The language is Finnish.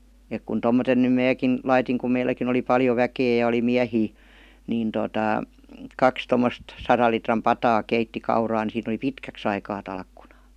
että kun tuommoisen nyt minäkin laitoin kun meilläkin oli paljon väkeä ja oli miehiä niin tuota kaksi tuommoista sadan litran pataa keitti kauraa niin siinä oli pitkäksi aikaa talkkunaa